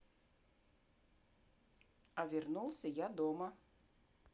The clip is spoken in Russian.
я вернулся я дома